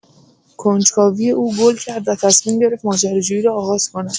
کنجکاوی او گل کرد و تصمیم گرفت ماجراجویی را آغاز کند.